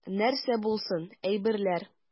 Нәрсә булсын, әйберләр.